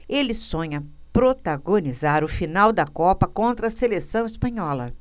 ele sonha protagonizar a final da copa contra a seleção espanhola